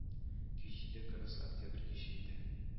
Кич иде кырыс октябрь киче иде